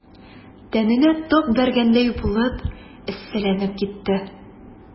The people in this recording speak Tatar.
Тәненә ток бәргәндәй булып эсселәнеп китте.